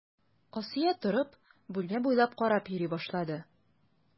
Асия торып, бүлмә буйлап карап йөри башлады.